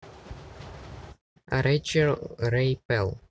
рэйчел рэй пел